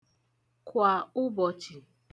kwà ụbọ̀chị̀